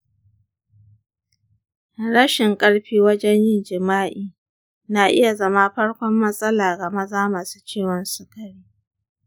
rashin ƙarfi wajen yin jima'i na iya zama farkon matsala ga maza masu ciwon sukari.